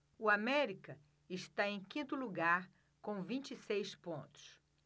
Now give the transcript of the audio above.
o américa está em quinto lugar com vinte e seis pontos